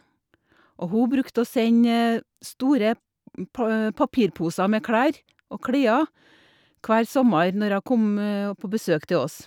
Og hun brukte å sende store pa papirposer med klær og klær hver sommer når hun kom å på besøk til oss.